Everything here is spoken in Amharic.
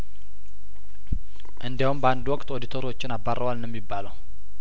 እንዲያውም በአንድ ወቅት ኦዲተሮችን አባረዋል ነው ሚባለው